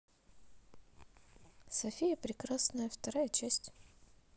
софия прекрасная вторая часть